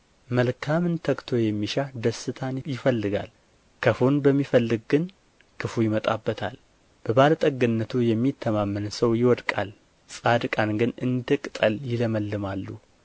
መልካምን ተግቶ የሚሻ ደስታን ይፈልጋል ክፉን በሚፈልግ ግን ክፉ ይመጣበታል በባለጠግነቱ የሚተማመን ሰው ይወድቃል ጻድቃን ግን እንደ ቅጠል ይለመልማሉ